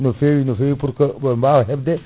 no fewi no fewi pour que ɓe wawa hebde